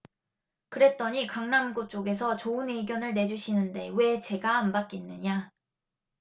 그랬더니 강남구 쪽에서 좋은 의견을 내주시는데 왜 제가 안 받겠느냐